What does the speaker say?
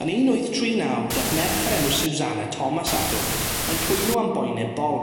Yn un wyth tri naw da'th merch o'r enw Susanna Thomas ato yn cwyno am boene bol.